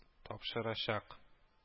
Тапшырачак